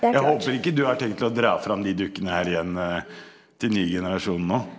jeg håper ikke du har tenkt til å dra fram de dukkene her igjen til ny generasjon nå.